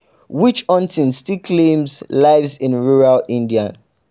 Witch-hunting still claims lives in rural India